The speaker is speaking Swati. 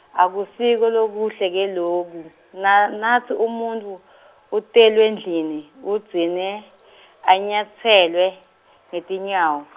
akusiko lokuhle ke loku, na, natsi umuntfu , utelwe ndlini, udzine , unyatselwe, ngetinyawo.